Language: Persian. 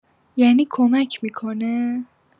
یعنی کمک می‌کنه.